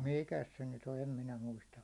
mikäs se nyt on en minä muista